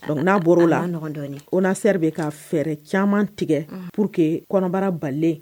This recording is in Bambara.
Dɔnku n'a bɔra o la o na se de bɛ ka fɛɛrɛ caman tigɛ pur que kɔnɔbara bale